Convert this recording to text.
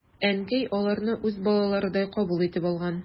Әнкәй аларны үз балаларыдай кабул итеп алган.